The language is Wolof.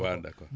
waa d' accord